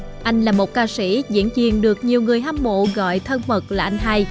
anh là một ca sĩ diễn viên được nhiều người hâm mộ gọi thân mật là anh hai